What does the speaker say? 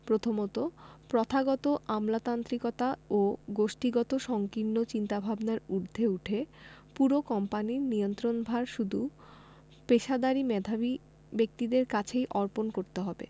প্রথমত প্রথাগত আমলাতান্ত্রিকতা ও গোষ্ঠীগত সংকীর্ণ চিন্তাভাবনার ঊর্ধ্বে উঠে পুরো কোম্পানির নিয়ন্ত্রণভার শুধু পেশাদারি মেধাবী ব্যক্তিদের কাছেই অর্পণ করতে হবে